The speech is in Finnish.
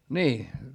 niin